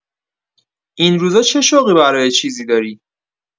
این روزا چه شوقی برای چیزی داری؟